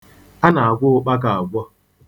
A na-agwọ ụkpaka agwọ.